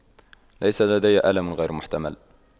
ليس لدي ألم غير محتمل